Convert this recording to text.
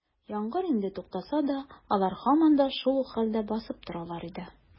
Яңгыр инде туктаса да, алар һаман да шул ук хәлдә басып торалар иде.